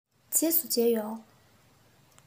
རྗེས སུ མཇལ ཡོང